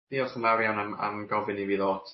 Diolch yn fawr iawn am m gofyn i fi ddod.